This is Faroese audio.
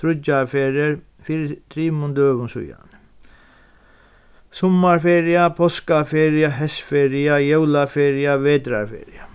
tríggjar ferðir fyri trimum døgum síðani summarferia páskaferia heystferia jólaferia vetrarferia